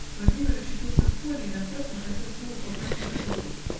Владимир очутился в поле и напрасно хотел снова попасть на дорогу